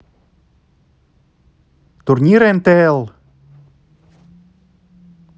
турнир нтл